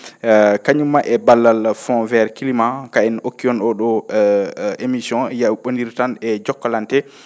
kañumma e ballal fond vert climat ka'en ngokki on oo ?oo émission yawo?onndiri tan e jokalante